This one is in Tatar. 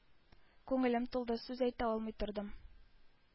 Күңелем тулды, сүз әйтә алмый тордым.